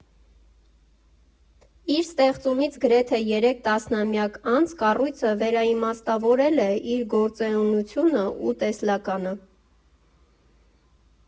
Իր ստեղծումից գրեթե երեք տասնամյակ անց կառույցը վերաիմաստավորել է իր գործունեությունն ու տեսլականը։